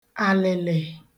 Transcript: àlị̀lị̀